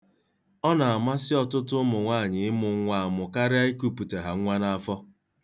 Ọ na-amasị ọtụtụ ụmụnwaanyị ịmu nnwa amụ karịa ikupụta ha nnwa n'afọ.